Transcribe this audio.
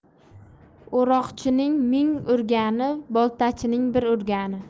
o'roqchining ming urgani boltachining bir urgani